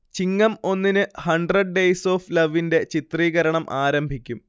ചിങ്ങം ഒന്നിന് hundred days of ലവിന്റെ ചിത്രീകരണം ആരംഭിക്കും